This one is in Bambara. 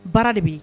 Baara de bee